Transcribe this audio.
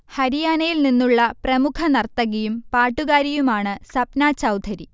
ഹരിയാനയിൽ നിന്നുള്ള പ്രമുഖ നർത്തകിയും പാട്ടുകാരിയുമാണ് സപ്ന ചൗധരി